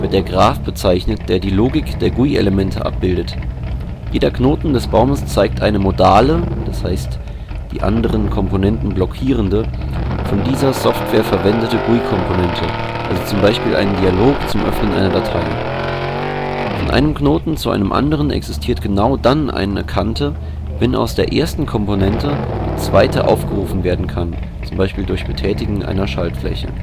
der Graph bezeichnet, der die Logik der GUI-Elemente abbildet. Jeder Knoten des Baumes zeigt eine modale (d. h. die anderen Komponenten blockierende), von dieser Software verwendete GUI-Komponente, also z. B. einen Dialog zum Öffnen einer Datei. Von einem Knoten zu einem anderen existiert genau dann eine Kante, wenn aus der ersten Komponente die zweite aufgerufen werden kann (z. B. durch Betätigen einer Schaltfläche